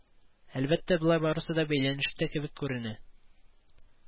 Әлбәттә болар барысы да бәйләнештә кебек күренә